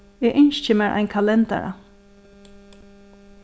eg ynski mær ein kalendara